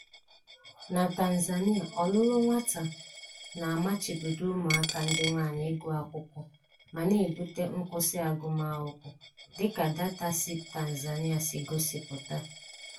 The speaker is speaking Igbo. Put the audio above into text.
Na Tanzania, ọlụlụ nwata na-amachibido ụmụaka ndị nwaanyị ịgu akwụkwọ ma na-ebute nkwụsị agụmakwụkwọ, dị ka data si Tanzania si gosipụta (National Survey,2017).